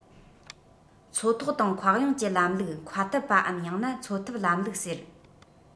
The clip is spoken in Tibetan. མཚོ ཐོག དང མཁའ དབྱིངས ཀྱི ལམ ལུགས མཁའ འཐབ པའམ ཡང ན མཚོ འཐབ ལམ ལུགས ཟེར